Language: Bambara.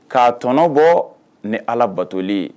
K'a tɔnɔ bɔ ni ala batolen ye